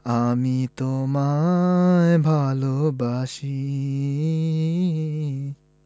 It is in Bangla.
আমি তোমায় ভালবাসি